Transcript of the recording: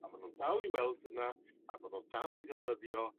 A ma' nw'n dal i weld yna a ma' nw'n dal i ddefnyddio